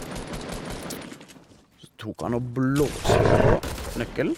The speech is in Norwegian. Så tok han og blåste på nøkkelen.